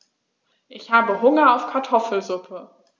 Ich habe Hunger auf Kartoffelsuppe.